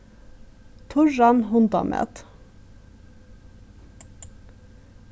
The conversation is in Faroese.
turran hundamat